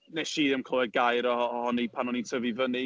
Wnes i ddim clywed gair o- ohoni pan o'n i'n tyfu fyny.